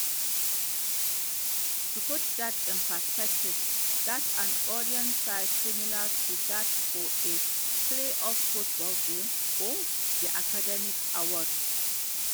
To put that in perspective, that's an audience size similar to that for a playoff football game or the Academy Awards.